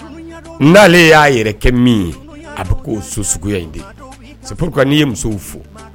N'ale y'a yɛrɛ kɛ min ye a bɛ so suguya de sabu n'i ye muso fɔ